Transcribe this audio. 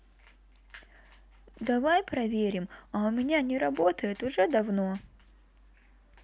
давай проверим а у меня не работает уже давно